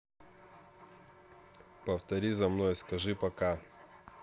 повтори за мной скажи пока